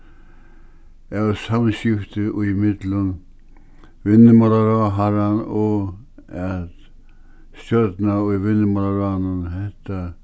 av samskifti í millum vinnumálaráðharran og í vinnumálaráðnum hetta